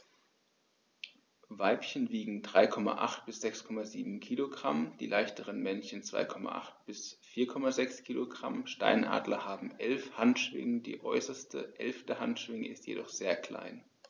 Weibchen wiegen 3,8 bis 6,7 kg, die leichteren Männchen 2,8 bis 4,6 kg. Steinadler haben 11 Handschwingen, die äußerste (11.) Handschwinge ist jedoch sehr klein.